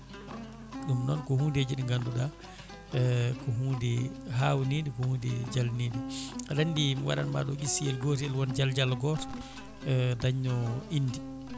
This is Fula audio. ɗum noon ko hundeje ɗi ganduɗa ko hunde hawnide ko hunde jalnide aɗa andi mi waɗanma ɗo qissayel gootel woon jal Diallo goto dañno inde